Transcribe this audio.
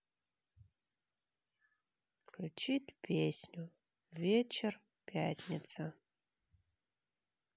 включить песню вечер пятница